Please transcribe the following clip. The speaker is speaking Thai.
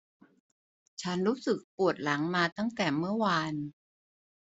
ฉันรู้สึกปวดหลังมาตั้งแต่เมื่อวาน